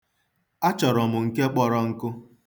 Achọrọ m nke kpọrọ nkụ.